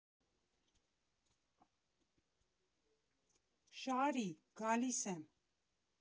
Շարի՛, գալիս եմ։